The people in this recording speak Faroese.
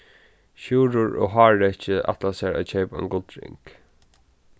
sjúrður og háreki ætla sær at keypa ein gullring